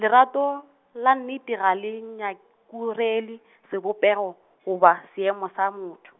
lerato, la nnete ga le nyakurele sebopego, goba seemo sa motho.